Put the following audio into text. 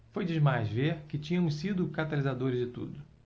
foi demais ver que tínhamos sido os catalisadores de tudo